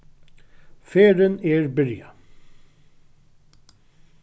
ferðin er byrjað